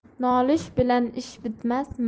nolish bilan ish bitmas